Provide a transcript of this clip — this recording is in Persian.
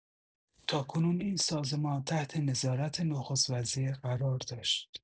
تاکنون این سازمان تحت نظارت نخست‌وزیر قرار داشت.